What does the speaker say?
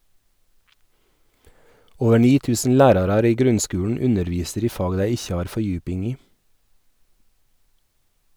Over 9.000 lærarar i grunnskulen underviser i fag dei ikkje har fordjuping i.